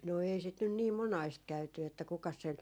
no ei sitä nyt niin monasti käyty että kukas sen